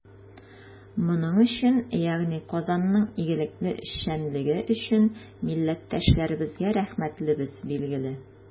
Моның өчен, ягъни Казанның игелекле эшчәнлеге өчен, милләттәшләребезгә рәхмәтлебез, билгеле.